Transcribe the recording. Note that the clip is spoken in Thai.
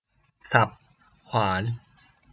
สับขวาน